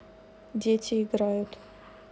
дети играют